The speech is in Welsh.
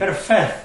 Perffeth!